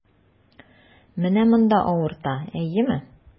Менә монда авырта, әйеме?